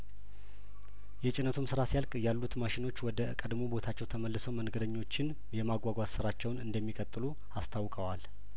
የጭነቱም ስራ ሲያልቅ ያሉት ማሽኖች ወደ ቀድሞው ቦታቸው ተመልሰው መንገደኞችን የማጓጓዝ ስራቸውን እንደሚቀጥሉ አስታውቀዋል